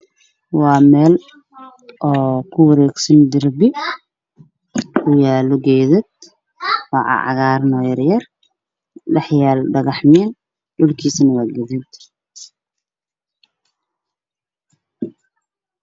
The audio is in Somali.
Waa meel uu ku wareeg sanyahay darbi kuyaalo geedo cagaaran waxayaalo dhagaxmeel midabkìisuna waa guduud